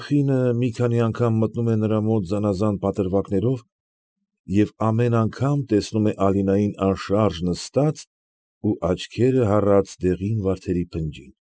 Աղախինը մի քանի անգամ մտնում է նրա մոտ զանզազն պատրվակներով և ամեն անգամ տեսնում է Ալինային անշարժ նստած ու աչքերը հառած դեղին վարդերի փնջին։